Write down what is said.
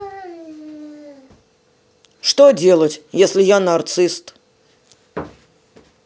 что делать если я нарцист